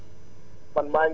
noo tudd ak foo ñuy wooyee